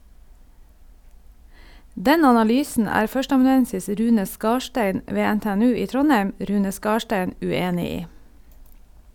Den analysen er førsteamanuensis Rune Skarstein ved NTNU i Trondheim, Rune Skarstein, uenig i.